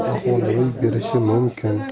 ahvol ro'y berishi mumkin